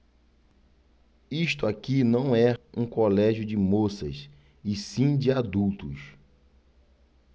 isto aqui não é um colégio de moças e sim de adultos